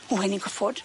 W o'n i goffod.